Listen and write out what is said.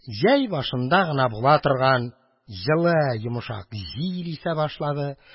Җәй башында гына була торган җылы йомшак җил исә башлады.